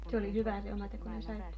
se oli hyvää se omatekoinen saippua